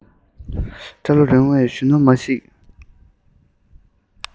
སྐྲ ལོ རིང བའི གཞོན ནུ མ ཞིག